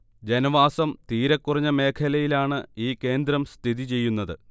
ജനവാസം തീരെക്കുറഞ്ഞ മേഖലയിലാണ് ഈ കേന്ദ്രം സ്ഥിതി ചെയ്യുന്നത്